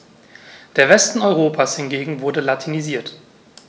Der Westen Europas hingegen wurde latinisiert.